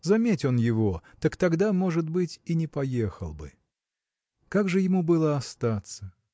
заметь он его, так тогда, может быть, и не поехал бы. Как же ему было остаться?